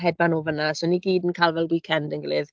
Hedfan o fan'na. So, ni i gyd yn cael fel weekend 'da'n gilydd.